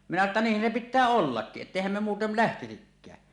minä sanoin jotta niinhän se pitää ollakin että eihän me muuten lähtisikään